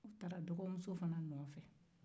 u taara dɔgɔmuso fana nɔn fɛ